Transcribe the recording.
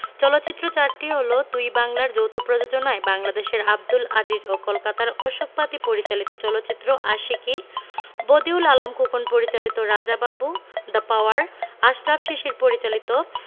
চলচ্চিত্র চারটি হলো দুই বাংলার যৌথ প্রযোজনায় বাংলাদেশের আবদুল আজিজ ও কলকাতার অশোক পাতি পরিচালিত চলচ্চিত্র আশিকী বদিউল আলম খোকন পরিচালিত রাজা বাবু দ্যা পাওয়ার আশরাফ শিশির পরিচালিত